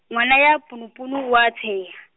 ngwana ya ponopono o a tsheha.